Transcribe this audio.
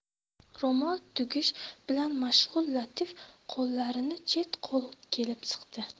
ro'mol tugish bilan mashg'ul latif qo'llarni chet qo'l kelib siqdi